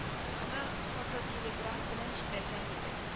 Аны фототелеграф белән җибәргән иде